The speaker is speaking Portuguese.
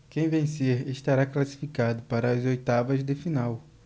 quem vencer estará classificado para as oitavas de final